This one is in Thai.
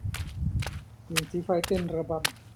เปลี่ยนสีไฟเต้นระบำ